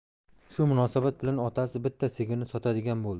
shu munosabat bilan otasi bitta sigirni sotadigan bo'ldi